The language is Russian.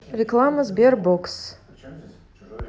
реклама sberbox